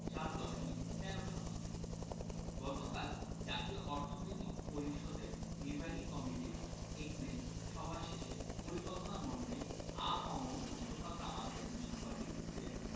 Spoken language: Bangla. ৭ দশমিক ১৩ শতাংশ গতকাল জাতীয় অর্থনৈতিক পরিষদের নির্বাহী কমিটির একনেক সভা শেষে পরিকল্পনামন্ত্রী আ হ ম মুস্তফা কামাল এবং সাংবাদিকদের